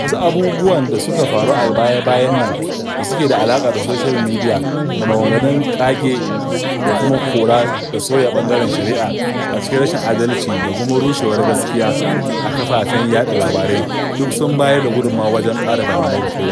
Wasu abubuwan da suka faru a baya-bayan nan da suke da alaƙa da soshiyal midiya da maganganun ƙage da kuma kora da sauya ɓangaren shari'a a cikin rashin adalci da kuma rushewar gaskiya a kafafen yaɗa labarai duk sun bayar da gudummawa wajen ƙara damuwar kowa.